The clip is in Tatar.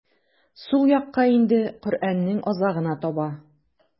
Сул якка инде, Коръәннең азагына таба.